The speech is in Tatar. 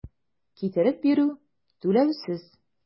Китереп бирү - түләүсез.